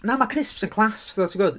Na, ma' crisps yn class ddo, ti'n gwbod?